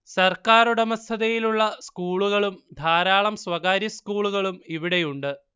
സർക്കാറുടമസ്ഥതയിലുള്ള സ്കൂളുകളും ധാരാളം സ്വകാര്യ സ്കൂളുകളും ഇവിടെയുണ്ട്